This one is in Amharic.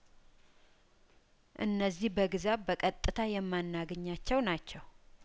እነዚህ በግዛት በቀጥታ የማናገኛቸው ናቸው